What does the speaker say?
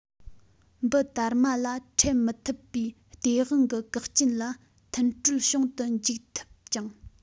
འབུ དར མ ལ འཕྲད མི ཐུབ པའི སྟེས དབང གི བགགས རྐྱེན ལ མཐུན འཕྲོད བྱུང དུ འཇུག ཐུབ ཅིང